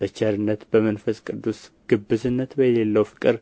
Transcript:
በቸርነት በመንፈስ ቅዱስ ግብዝነት በሌለው ፍቅር